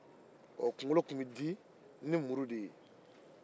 kunkolo tun bɛ di ni muru de ye